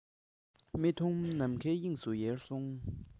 མི མཐོང ནམ མཁའི དབྱིངས སུ ཡལ སོང